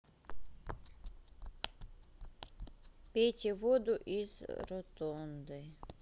не пейте воду из ротонды